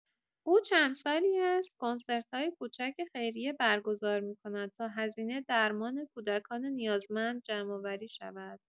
او چند سالی است کنسرت‌های کوچک خیریه برگزار می‌کند تا هزینه درمان کودکان نیازمند جمع‌آوری شود.